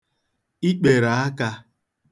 ikpèrèakā